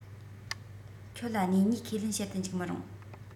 ཁྱོད ལ སྣེ གཉིས ཁས ལེན བྱེད དུ འཇུག མི རུང